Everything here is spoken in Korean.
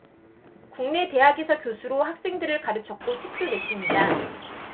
국내 대학에서 교수로 학생들을 가르쳤고 책도 냈습니다